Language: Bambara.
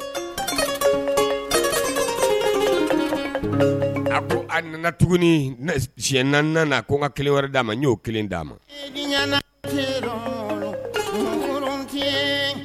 A ko a nana tuguni si ko ka kelen d' ma n y'o kelen d'a ma